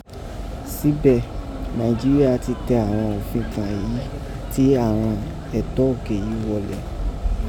Síbẹ̀, Nàìjíríà tí tẹ àghan òfin kàn èyí tẹ̀ àghan ẹ̀tọ́ òkè yìí wọlẹ̀.